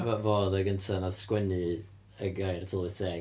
-f fo oedd y gynta wnaeth sgwennu y gair tylwyth teg.